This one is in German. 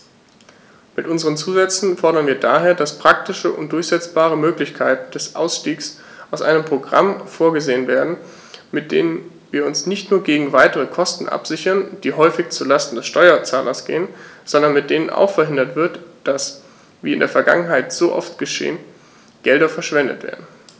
Mit unseren Zusätzen fordern wir daher, dass praktische und durchsetzbare Möglichkeiten des Ausstiegs aus einem Programm vorgesehen werden, mit denen wir uns nicht nur gegen weitere Kosten absichern, die häufig zu Lasten des Steuerzahlers gehen, sondern mit denen auch verhindert wird, dass, wie in der Vergangenheit so oft geschehen, Gelder verschwendet werden.